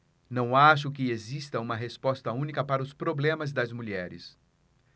não acho que exista uma resposta única para os problemas das mulheres